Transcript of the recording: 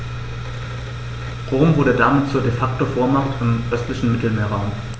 Rom wurde damit zur ‚De-Facto-Vormacht‘ im östlichen Mittelmeerraum.